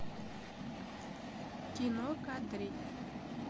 кино кадриль